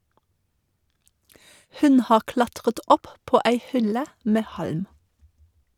Hun har klatret opp på ei hylle med halm.